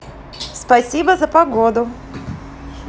спасибо за погоду